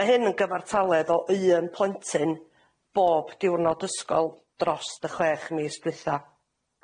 ma' hyn yn gyfartaledd o un plentyn bob diwrnod ysgol. dros y chwech mis dwytha.